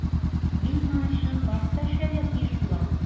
Мин моны чынлап та эшләргә тиеш булам.